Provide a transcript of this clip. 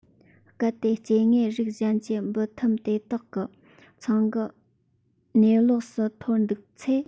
གལ ཏེ སྐྱེ དངོས རིགས གཞན གྱི འབུ ཐུམ དེ དག གི ཚང གི ཉེ ལོགས སུ འཐོར འདུག ཚེ